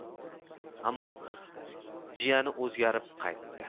ammo jiyani o'zgarib qaytdi